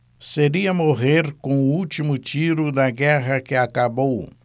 seria morrer com o último tiro da guerra que acabou